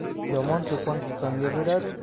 yomon cho'pon tikonga